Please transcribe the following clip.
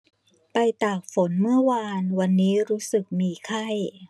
ไปตากฝนเมื่อวานวันนี้รู้สึกมีไข้